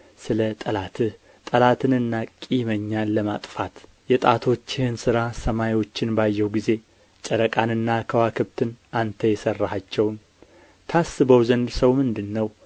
ስለ ጠላትህ ጠላትንና ቂመኛን ለማጥፋት የጣቶችህን ሥራ ሰማዮችን ባየሁ ጊዜ ጨረቃንና ከዋክብትን አንተ የሠራሃቸውን ታስበው ዘንድ ሰው ምንድር ነው